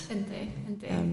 yndi... yndi